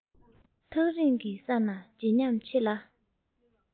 ཐག རིང གི ས ན བརྗིད ཉམས ཆེ ལ